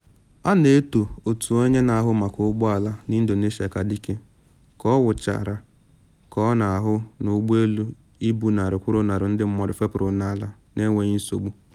A na eto otu onye na ahụ maka ụgbọ elu na Indonesia ka dike ka ọ nwụchara ka ọ na ahụ na ụgbọ elu ibu narị kwụrụ narị ndị mmadụ fepụrụ n’ala na enweghị nsogbu.